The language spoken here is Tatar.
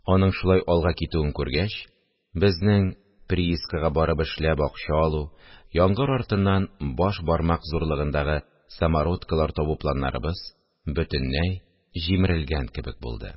Аның шулай алга китүен күргәч, безнең приискага барып эшләп акча алу, яңгыр артыннан баш бармак зурлыгындагы самородкылар табу планнарыбыз бөтенләй җимерелгән кебек булды